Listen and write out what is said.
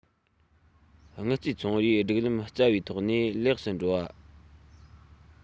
དངུལ རྩའི ཚོང རའི སྒྲིག ལམ རྩ བའི ཐོག ནས ལེགས སུ འགྲོ བ